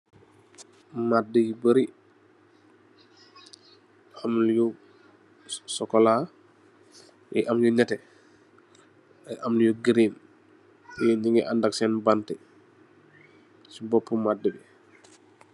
Maat yu bari, am lu sokola yu sokola, am yu nete, am yu green tè nungi andat senn bant ci boppu maat bi.